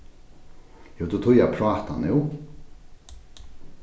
hevur tú tíð at práta nú